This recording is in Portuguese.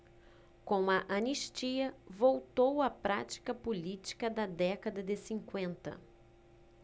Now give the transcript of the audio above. com a anistia voltou a prática política da década de cinquenta